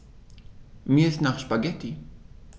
Mir ist nach Spaghetti.